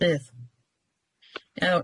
Bydd. Iawn.